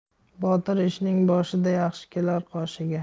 botir ishning boshida yaxshi kelar qoshiga